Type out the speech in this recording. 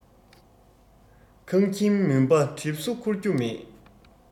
ཁང ཁྱིམ མུན པ གྲིབ སོ འཁོར རྒྱུ མེད